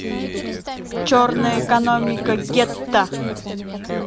черная экономика гетто